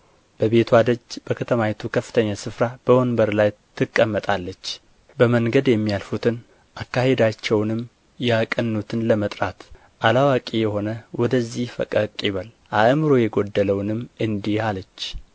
በቤትዋ ደጅ በከተማይቱ ከፍተኛ ስፍራ በወንበር ላይ ትቀመጣለች በመንገድ የሚያልፉትን አካሄዳቸውንም ያቀኑትን ለመጥራት አላዋቂ የሆነ ወደዚህ ፈቀቅ ይበል አእምሮ የጐደለውንም እንዲህ አለች